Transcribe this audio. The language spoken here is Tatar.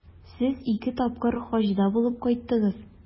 Сез ике тапкыр Хаҗда булып кайттыгыз.